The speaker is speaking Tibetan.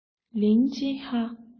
ལིང ཅི ཧྭ